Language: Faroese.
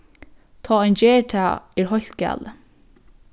tá ein ger tað er heilt galið